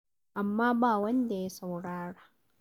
Amma ba wanda ya saurara.